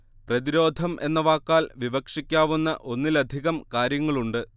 പ്രതിരോധം എന്ന വാക്കാൽ വിവക്ഷിക്കാവുന്ന ഒന്നിലധികം കാര്യങ്ങളുണ്ട്